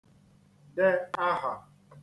de ahà